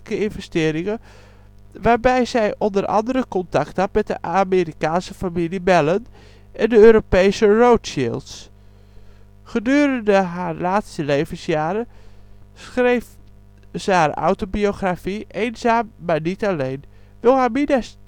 investeringen, waarbij zij onder andere contact had met de Amerikaanse familie Mellon en de Europese Rothschilds. Gedurende haar laatste levensjaren schreef ze haar autobiografie ' Eenzaam maar niet alleen '. Wilhelmina